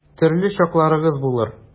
Төрле чакларыгыз булыр.